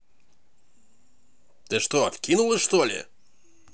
ты что вкинулась что ли